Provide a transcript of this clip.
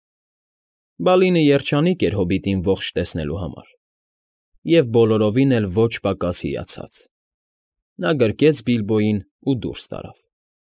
Բալինը երջանիկ էր հոբիտին ողջ տեսնելու համար և բոլորովին էլ ոչ պակաս հիացած։ Նա գրկեց Բիլբոյին ու դուրս տարավ։